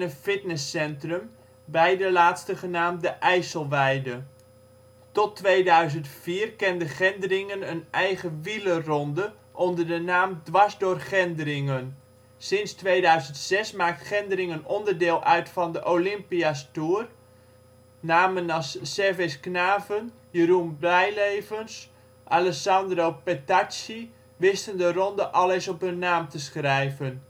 fitnesscentrum (beide laatste genaamd de IJsselweide). Tot 2004 kende Gendringen een eigen wielerronde onder de naam " Dwars door Gendringen ". Sinds 2006 maakt Gendringen onderdeel uit van de Olympia 's Tour. Namen als Servais Knaven, Jeroen Blijlevens en Alessandro Petacchi wisten de ronde al eens op hun naam te schrijven